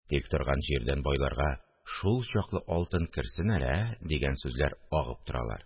Тик торган җирдән байларга шулчаклы алтын керсен әле, ә? – дигән сүзләр агып торалар